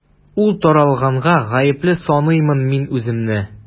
Ул таралганга гаепле саныймын мин үземне.